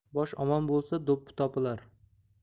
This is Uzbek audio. bosh omon bo'lsa do'ppi topilar